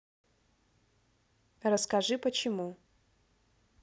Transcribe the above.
расскажи почему